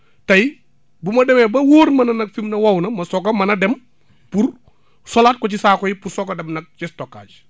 tey bu ma demee ba wóor ma nag fii mu ne wow na ma soog a mën a dem pour solaat ko ci saako yi pour soog a dem nag ca stockage